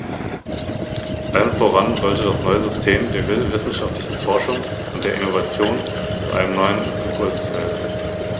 Deshalb möchte ich auf einige Probleme aufmerksam machen, denen sich die Kommission vorrangig widmen sollte.